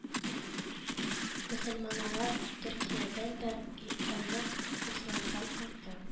Мөселманнары төркиядән бер айлык курслардан кайтты